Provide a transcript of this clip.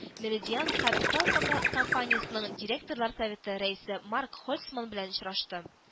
Меридиан Капитал компа компаниясенең директорлар советы рәисе Марк Хольцман белән очрашты